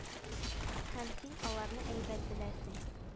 Һәм син аларны әйбәт беләсең